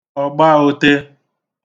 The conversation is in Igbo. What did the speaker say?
ọ̀gbaote